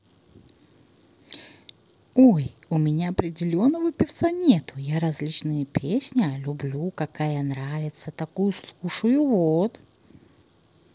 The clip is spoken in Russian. ой у меня определенного певца нету я различные песня люблю какая нравится такую слушаю вот